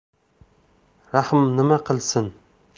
rahm nima qilsin